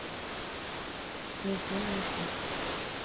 я делаю шаг